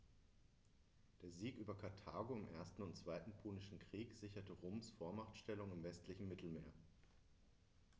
Der Sieg über Karthago im 1. und 2. Punischen Krieg sicherte Roms Vormachtstellung im westlichen Mittelmeer.